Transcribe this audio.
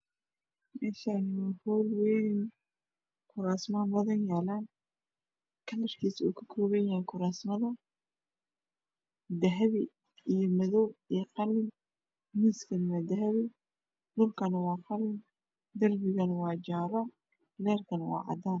Meshani waa hool wayn oo yalan kurasmo midabkodu yahay dahabi iyo madoow iyo qalin miskana waa dahabi dhulkana waa jalo lerkana waa cadan